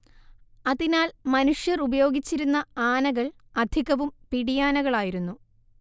അതിനാൽ മനുഷ്യർ ഉപയോഗിച്ചിരുന്ന ആനകൾ അധികവും പിടിയാനകളായിരുന്നു